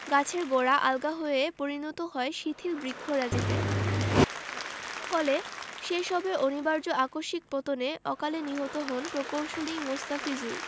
গাছের গোড়া আলগা হয়ে পরিণত হয় শিথিল বৃক্ষরাজিতে ফলে সে সবের অনিবার্য আকস্মিক পতনে অকালে নিহত হন প্রকৌশলী মোস্তাফিজুর